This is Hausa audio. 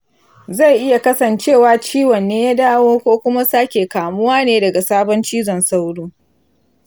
zai iya kasancewa ciwon ne ya dawo ko kuma sake kamuwa ne daga sabon cizon sauro.